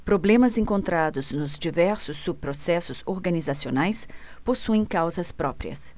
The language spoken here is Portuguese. problemas encontrados nos diversos subprocessos organizacionais possuem causas próprias